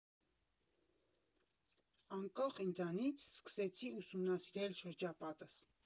Անկախ ինձանից՝ սկսեցի ուսումնասիրել շրջապատս։